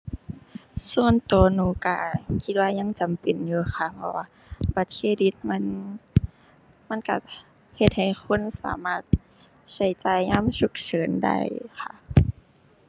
ส่วนตัวหนูตัวคิดว่ายังจำเป็นอยู่ค่ะ เพราะว่าบัตรเครดิตมัน มันตัวเฮ็ดให้คนสามารถใช้จ่ายยามฉุกเฉินได้ค่ะ